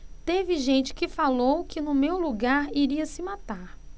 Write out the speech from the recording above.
teve gente que falou que no meu lugar iria se matar